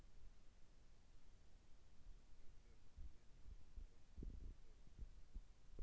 салют джой привет любимому пользователю джой слушай